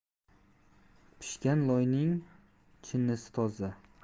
pishgan loyning chinnisi toza